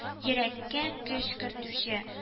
Йөрәккә көч кертүче